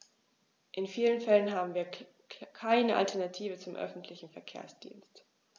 In vielen Fällen haben wir keine Alternative zum öffentlichen Verkehrsdienst.